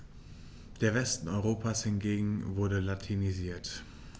Der Westen Europas hingegen wurde latinisiert.